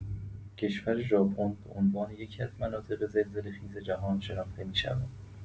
کشور ژاپن به عنوان یکی‌از مناطق زلزله‌خیز جهان شناخته می‌شود.